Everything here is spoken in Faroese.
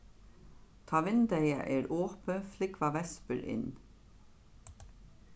tá vindeygað er opið flúgva vespur inn